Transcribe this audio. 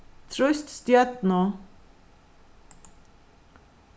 trýst stjørnu